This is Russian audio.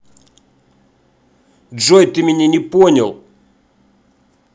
джой ты не поняла меня